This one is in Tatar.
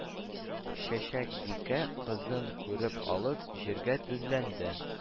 Чәчәк бикә, кызын күреп алып, җиргә тезләнде: